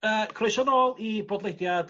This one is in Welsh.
yy croeso nôl i bodlediad...